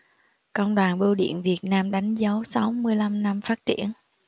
công đoàn bưu điện việt nam đánh dấu sáu mươi lăm năm phát triển